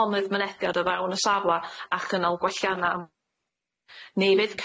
lonydd mynediad o fewn y safla a chynnal gwellianna' ni fydd